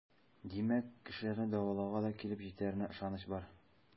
Димәк, кешеләрне дәвалауга да килеп җитәренә ышаныч бар.